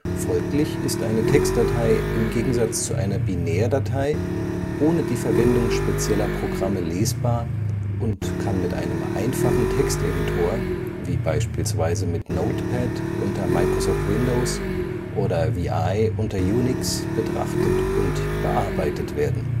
Folglich ist eine Textdatei im Gegensatz zu einer Binärdatei ohne die Verwendung spezieller Programme lesbar und kann mit einem einfachen Texteditor – wie beispielsweise mit Notepad unter Microsoft Windows oder vi unter Unix – betrachtet und bearbeitet werden